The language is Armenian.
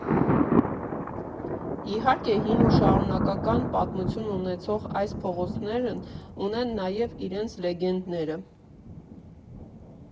Իհարկե, հին ու շարունակական պատմություն ունեցող այս փողոցներն ունեն նաև իրենց լեգենդները։